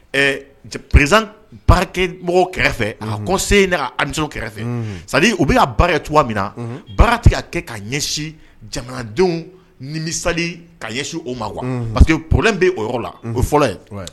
Prezsan baarakɛ mɔgɔw kɛrɛfɛ a kɔ se in' alimi kɛrɛfɛ u bɛ' baara tu min na baara tigɛ' kɛ ka ɲɛsin jamanadenw ni misali ka ɲɛsin o ma wa pa que purlen bɛ o yɔrɔ la o fɔlɔ ye